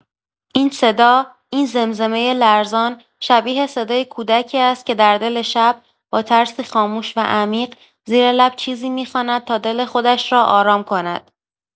این صدا، این زمزمۀ لرزان، شبیه صدای کودکی است که در دل شب، با ترسی خاموش و عمیق، زیر لب چیزی می‌خواند تا دل خودش را آرام کند.